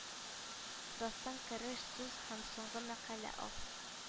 Дастан кереш сүз һәм соңгы мәкалә авт